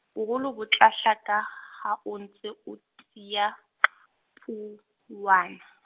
boholo bo tla hlaka, ha o ntse o tiya, phuwana.